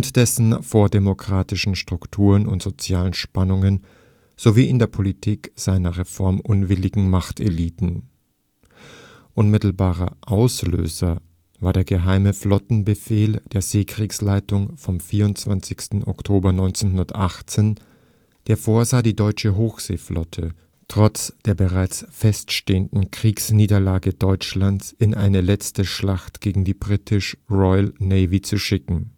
dessen vordemokratischen Strukturen und sozialen Spannungen sowie in der Politik seiner reformunwilligen Machteliten. Unmittelbarer Auslöser war der geheime Flottenbefehl der Seekriegsleitung vom 24. Oktober 1918, der vorsah, die deutsche Hochseeflotte trotz der bereits feststehenden Kriegsniederlage Deutschlands in eine letzte Schlacht gegen die britische Royal Navy zu schicken